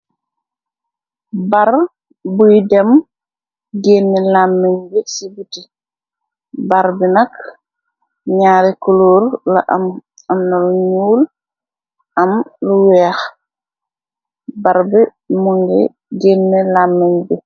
bar buy dem génn làmmañ bi ci biti bar bi nak ñaari kuloor la am amnalu ñuul am lu weex bar bi mu nge génn làmmañ bi